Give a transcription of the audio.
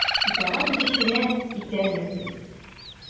Итагать итеп кенә:— Исәнмесез!